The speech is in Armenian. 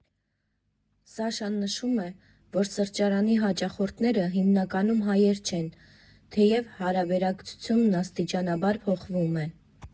Սաշան նշում է, որ սրճարանի հաճախորդները հիմնականում ոչ հայեր են, թեև հարաբերակցությունն աստիճանաբար փոխվում է։